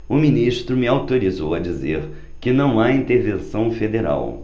o ministro me autorizou a dizer que não há intervenção federal